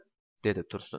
dedi tursun